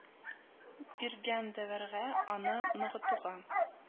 Биргән дәвергә, аны ныгытуга